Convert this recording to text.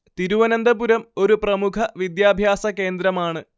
തിരുവനന്തപുരം ഒരു പ്രമുഖ വിദ്യാഭ്യാസ കേന്ദ്രമാണ്